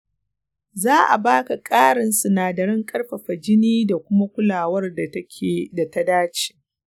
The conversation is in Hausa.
za a ba ka ƙarin sinadarin ƙarfafa jini da kuma kulawar da ta dace.